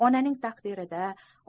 onaning taqdirida